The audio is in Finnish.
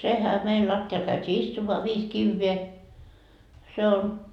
sehän meillä lattialle käytiin istumaan viisi kiveä se on